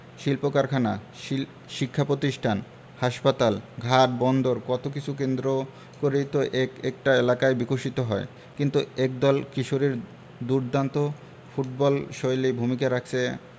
শিল্পকারখানা শিক্ষাপতিষ্ঠান হাসপাতাল ঘাট বন্দর কত কিছু কেন্দ্র করেই তো এক একটা এলাকায় বিকশিত হয় কিন্তু একদল কিশোরীর দুর্দান্ত ফুটবলশৈলী ভূমিকা রাখছে